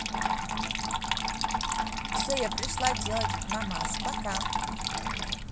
все я пришла делать намаз пока